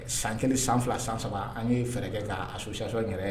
San kelen san fila san saba an ye fɛɛrɛ kɛ k' a su siso yɛrɛɛrɛ ye